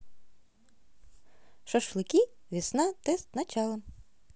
шашлыки весна тест начало